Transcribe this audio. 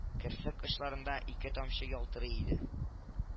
Керфек очларында ике тамчы ялтырый иде